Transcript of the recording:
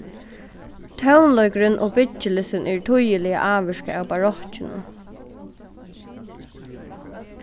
tónleikurin og byggilistin eru týðiliga ávirkað av barokkinum